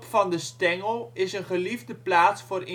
van de stengel is een geliefde plaats voor